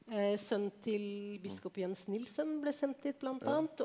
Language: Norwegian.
sønnen til biskop Jens Nilsen ble sendt dit blant annet.